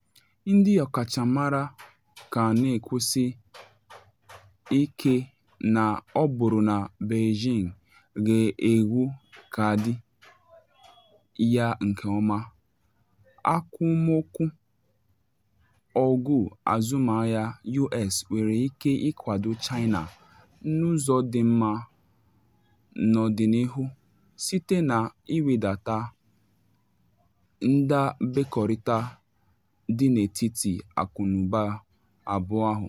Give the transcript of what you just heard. Ndị ọkachamara ka na ekwusi ike na ọ bụrụ na Beijing ga-egwu kaadị ya nke ọma, akwumọkụ ọgụ azụmahịa US nwere ike ịkwado China n’ụzọ dị mma n’ọdịnihu site na iwedata ndabekọrịta dị n’etiti akụnụba abụọ ahụ.